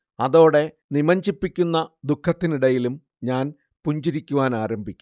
അതോടെ നിമജ്ജിപ്പിക്കുന്ന ദുഃഖത്തിനിടയിലും ഞാൻ പുഞ്ചിരിക്കുവാനാരംഭിക്കും